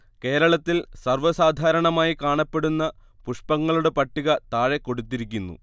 കേരളത്തിൽ സർവ്വസാധാരണമായി കാണപ്പെടുന്ന പുഷ്പങ്ങളുടെ പട്ടിക താഴെ കൊടുത്തിരിക്കുന്നു